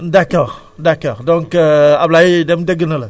d' accord d' accord donc Abdoulaye Deme dégg na la